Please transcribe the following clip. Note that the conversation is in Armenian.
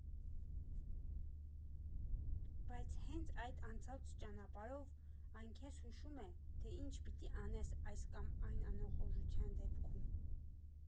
Բայց հենց այդ անցած ճանապարհով այն քեզ հուշում է, թե ինչ պիտի անես այս կամ այն անախորժության դեպքում։